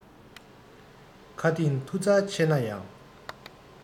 མཁའ ལྡིང མཐུ རྩལ ཆེ ན ཡང